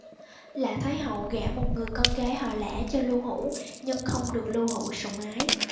lã thái hậu gả một người con gái họ lã cho lưu hữu nhưng không được lưu hữu sủng ái